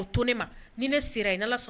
To ne ne sera i